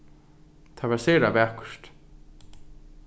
tað var sera vakurt